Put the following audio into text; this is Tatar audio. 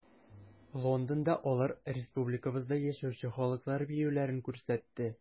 Лондонда алар республикабызда яшәүче халыклар биюләрен күрсәтте.